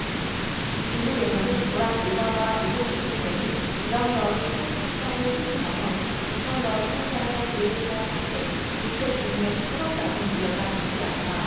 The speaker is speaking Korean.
중국에서는 버락 오바마 미국 대통령이 이란과의 핵 협상에 치중하며 북한과의 협상을 도외시한 탓에 북핵 능력이 커졌다는 우려가 적지 않다